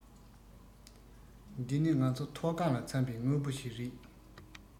འདི ནི ང ཚོ འཐོ སྒང ལ འཚམས པས དངོས པོ ཞིག རེད